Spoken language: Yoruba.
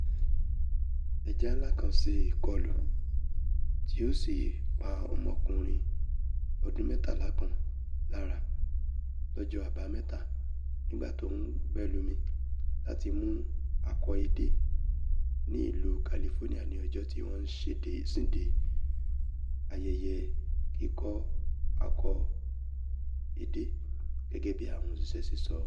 Ẹja ńlá kan ṣe ìkọlu tí ó sì pa ọmọkùnrin ọdún mẹtala kan lára lọ́jọ́ Àbámẹ́ta nígbà tí ó n ́bẹ́lumi láti mú ako edé ní ìlú Kalifónía lọjọ tí wọ́n ńsíde ayẹyẹ kiko ako edé, gẹgẹ bíi àwọn òṣìṣẹ́ se sọ.